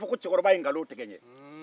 o kɔrɔ ye ko cɛkɔrɔba ye nkalon tigɛ n ye